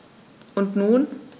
Und nun?